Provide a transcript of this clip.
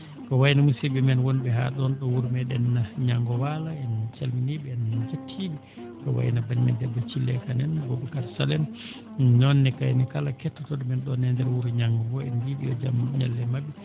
ko wayi no musidɓe men wonɓe haa ɗoon ɗo wuro meeɗen Ñaggo Walo en calminii ɓe en njettii ɓe ko wayi no banii men debbo Thillo en Kane en Boubacar Sal en ɗuum noon ne kayne kala kettotoo ɗo men ɗo ɗo wuro Ñagga en mbiyii ɓe yo jam ñallu e maɓɓe